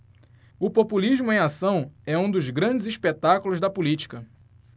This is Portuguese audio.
o populismo em ação é um dos grandes espetáculos da política